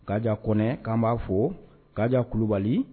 Kaja kɔnɛ k'an b'a fo ka diyabali